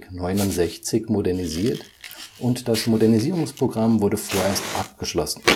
2169 modernisiert und das Modernisierungsprogramm wurde vorerst abgeschlossen